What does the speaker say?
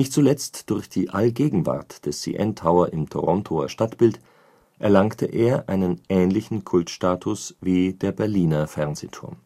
zuletzt durch die Allgegenwart des CN Tower im Torontoer Stadtbild erlangte er einen ähnlichen Kultstatus wie der Berliner Fernsehturm